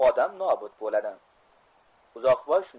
odam nobud bo'ladi